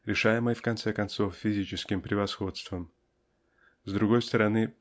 решаемой в конце концов физическим превосходством. С другой стороны